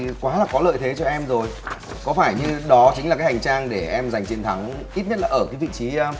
quá là có lợi thế cho em rồi có phải như đó chính là cái hành trang để em giành chiến thắng ít nhất ở cái vị trí